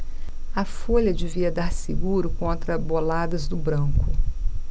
a folha devia dar seguro contra boladas do branco